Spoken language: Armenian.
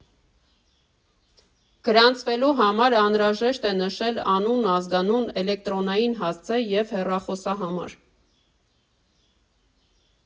Գրանցվելու համար անհրաժեշտ է նշել անուն, ազգանուն, էլեկտրոնային հասցե և հեռախոսահամար։